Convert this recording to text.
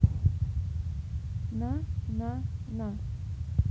на на на